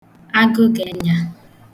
agụgụ enyā